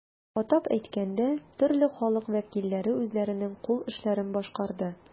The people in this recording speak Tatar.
Атап әйткәндә, төрле халык вәкилләре үзләренең кул эшләрен башкарды.